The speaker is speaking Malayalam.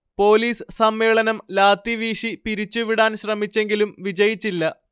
പോലീസ് സമ്മേളനം ലാത്തിവീശി പിരിച്ചുവിടാൻ ശ്രമിച്ചെങ്കിലും വിജയിച്ചില്ല